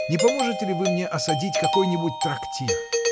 Не поможете ли вы мне осадить какой-нибудь трактир?